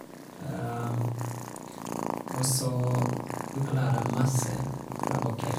Og så du kan lære masse fra bøker.